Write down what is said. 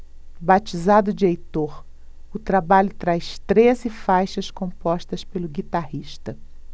batizado de heitor o trabalho traz treze faixas compostas pelo guitarrista